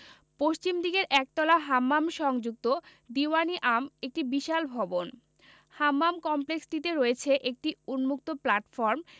পশ্চিমদিকের একতলা হাম্মাম সংযুক্ত দীউয়ান ই আম একটি বিশাল ভবন হাম্মাম কমপ্লেক্সটিতে রয়েছে একটি উন্মুক্ত প্লাটফর্ম